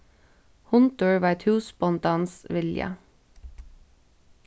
hundur veit húsbóndans vilja